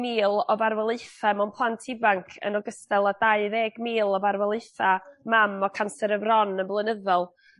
mil o farwolaetha' mewn plant ifanc yn ogystal â dau ddeg mil o farwolaetha' mam o canser y fron yn blynyddol.